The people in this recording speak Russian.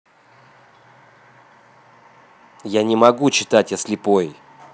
я не могу читать я слепой